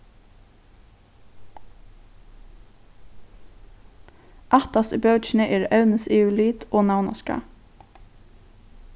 aftast í bókini eru evnisyvirlit og navnaskrá